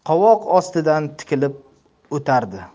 qovoq ostidan tikilib o'tardi